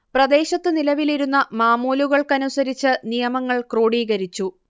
പ്രദേശത്ത് നിലവിലിരുന്ന മാമൂലൂകൾക്കനുസരിച്ച് നിയമങ്ങൾ ക്രോഡീകരിച്ചു